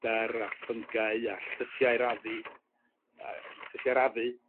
adar a fungi a llysiau'r addi a yym llysiau'r afu